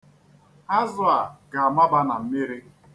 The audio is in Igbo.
Azụ a ga-amaba na mmiri.